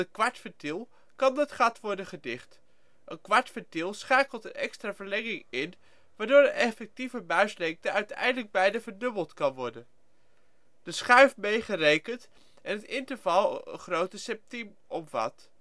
kwartventiel kan dat ' gat ' worden gedicht. Een kwartventiel schakelt een extra verlenging in waardoor de effectieve buislengte uiteindelijk bijna verdubbeld kan worden (de schuif meegerekend) en het interval een grote septiem omvat